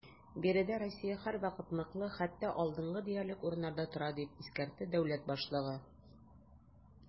Биредә Россия һәрвакыт ныклы, хәтта алдынгы диярлек урыннарда тора, - дип искәртте дәүләт башлыгы.